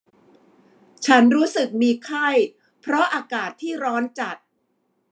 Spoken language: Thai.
ฉันรู้สึกมีไข้เพราะอากาศที่ร้อนจัด